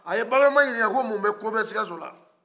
a ye babemba ɲinika ko mun ko bɛ sikaso la